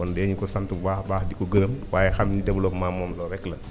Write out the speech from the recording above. kon dinañu ko sant bu baax a baax di ko gërëm waaye xam ni développement moom loolu rek la